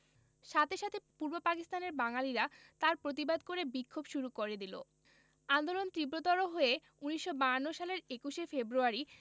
সাথে সাথে পূর্ব পাকিস্তানের বাঙালিরা তার প্রতিবাদ করে বিক্ষোভ শুরু করে দিল আন্দোলন তীব্রতর হয়ে ১৯৫২ সালের ২১শে ফেব্রয়ারি